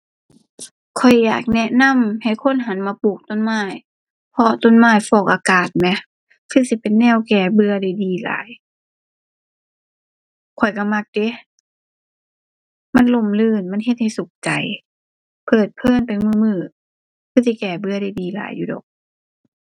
ข้อยอยากแนะนำให้คนหันมาปลูกต้นไม้ เพราะต้นไม้ฟอกอากาศแหม คือสิเป็นแนวแก้เบื่อได้ดีหลาย ข้อยก็มักเดะ มันร่มรื่นมันเฮ็ดให้สุขใจ เพลิดเพลินไปมื้อมื้อ มันสิแก้เบื่อได้ดีหลายอยู่ดอก